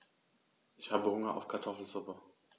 Ich habe Hunger auf Kartoffelsuppe.